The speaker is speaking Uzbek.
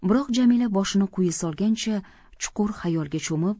biroq jamila boshini quyi solgancha chuqur xayolga cho'mib